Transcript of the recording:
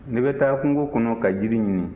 ne bɛ taa kungo kɔnɔ ka jiri ɲini